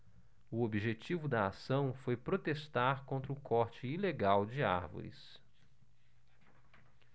o objetivo da ação foi protestar contra o corte ilegal de árvores